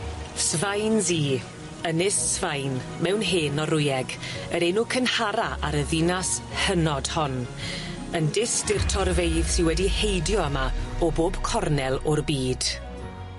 Sfain Zee, ynys Sfain, mewn hen Norwyeg, yr enw cynhara ar y ddinas hynod hon yn dyst i'r torfeydd sy wedi heidio yma o bob cornel o'r byd.